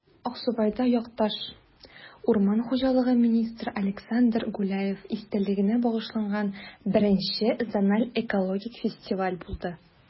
Аксубайда якташ, урман хуҗалыгы министры Александр Гуляев истәлегенә багышланган I зональ экологик фестиваль булды